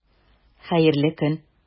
Хәерле көн!